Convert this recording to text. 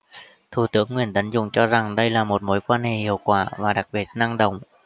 thủ tướng nguyễn tấn dũng cho rằng đây là một mối quan hệ hiệu quả và đặc biệt năng động